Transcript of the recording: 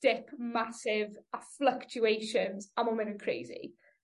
dip massive, a fluctuations, a ma'n myn' yn crazy.